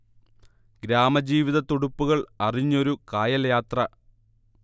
ഗ്രാമജീവിത തുടിപ്പുകൾ അറിഞ്ഞൊരു കായൽ യാത്ര